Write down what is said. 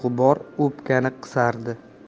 g'ubor o'pkani qisardi